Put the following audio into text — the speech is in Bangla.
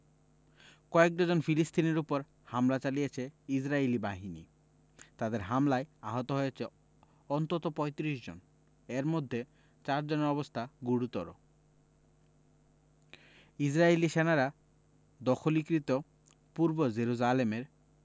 কয়েক ডজন ফিলিস্তিনির ওপর হামলা চালিয়েছে ইসরাইলি বাহিনী তাদের হামলায় আহত হয়েছেন অন্তত ৩৫ জন এর মধ্যে চার জনের অবস্থা গুরুত্বর ইসরাইলি সেনারা দখলীকৃত পূর্ব জেরুজালেমে